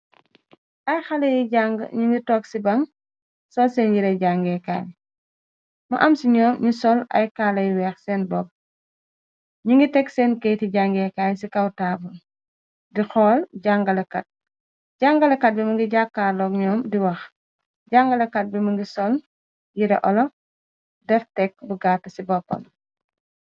Ay xale yuy jang ñu ngi tog ci baŋ sol seen yiray jangeekaay way, mu am ci ñoom ñi sol ay kaala yu weex seen bopp. Nñu ngi teg seen keyiti jangeekaay ci kaw taabal di xool jàngalekat. Jàngalakat bi mu ngi jàkkaarloo ñoom di wax. Jàngalakatbi mungi sol yire olof, def tekk bu gàtt ci boppan.